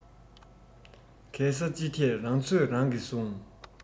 གས ས ཅི ཐད རང ཚོད རང གིས བཟུང